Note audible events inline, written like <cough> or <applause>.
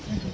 <hesitation> <hesitation>